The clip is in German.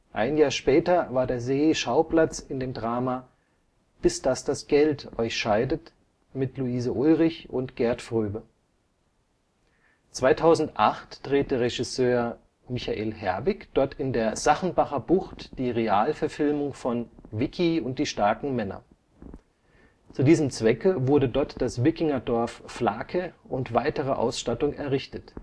Ein Jahr später war der See Schauplatz in dem Drama Bis dass das Geld Euch scheidet… mit Luise Ullrich und Gert Fröbe. 2008 drehte Regisseur Michael Herbig dort in der Sachenbacher Bucht die Realverfilmung von Wickie und die starken Männer. Zu diesem Zwecke wurde dort das Wikingerdorf Flake und weitere Ausstattung errichtet